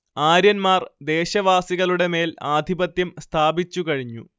ആര്യന്മാർ ദേശവാസികളുടെമേൽ ആധിപത്യം സ്ഥാപിച്ചു കഴിഞ്ഞു